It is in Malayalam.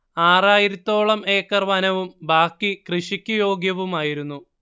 ആറായിരത്തോളം ഏക്കർ വനവും ബാക്കി കൃഷിക്ക് യോഗ്യവുമായിരുന്നു